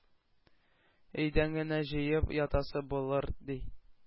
Өйдән генә җыеп ятасы булыр”,– ди.